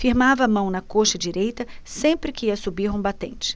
firmava a mão na coxa direita sempre que ia subir um batente